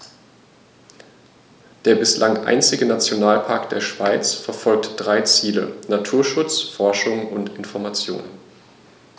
Der bislang einzige Nationalpark der Schweiz verfolgt drei Ziele: Naturschutz, Forschung und Information.